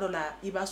La i